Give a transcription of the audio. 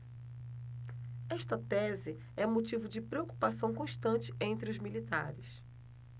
esta tese é motivo de preocupação constante entre os militares